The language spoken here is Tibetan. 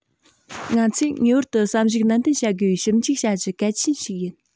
ང ཚོས ངེས པར དུ བསམ གཞིགས ནན ཏན བྱ དགོས པའི ཞིབ འཇུག བྱ གཞི གལ ཆེན ཞིག ཡིན